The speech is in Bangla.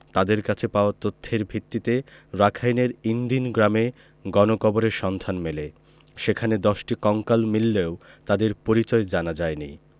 তাঁদের কাছে পাওয়া তথ্যের ভিত্তিতে রাখাইনের ইন দিন গ্রামে গণকবরের সন্ধান মেলে সেখানে ১০টি কঙ্কাল মিললেও তাদের পরিচয় জানা যায়নি